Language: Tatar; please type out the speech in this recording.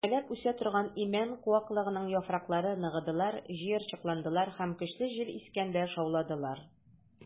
Үрмәләп үсә торган имән куаклыгының яфраклары ныгыдылар, җыерчыкландылар һәм көчле җил искәндә шауладылар.